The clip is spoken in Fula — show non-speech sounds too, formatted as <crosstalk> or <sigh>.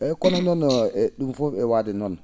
eeyi <clears throat> kono noon ?um fof e waade noon